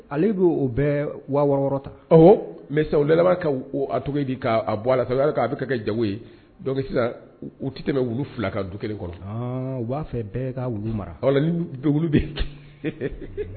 Ale bɛ o bɛɛ wa wɔɔrɔ wɔɔrɔ ta? Awɔ mais sisan u labanna ka a tɔgɔ ye di K'a bɔ a la, k'a bɛ kɛ jago ye donc sisan u tɛ tɛmɛ wulu fila kan du kelen kɔnɔ, ɔn u b'a fɛ bɛɛ ka wulu mara wulu bɛ yen.